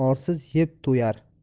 orsiz yeb to'yar